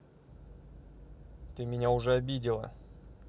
ты меня уже обидела